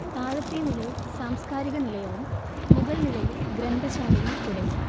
താഴത്തെ നിലയിൽ സാംസ്കാരിക നിലയവും മുകൾനിലയിൽ ഗ്രന്ഥശാലയും തുടങ്ങി